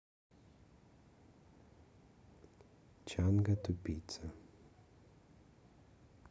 чанга тупица